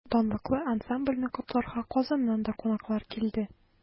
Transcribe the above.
Данлыклы ансамбльне котларга Казаннан да кунаклар килде.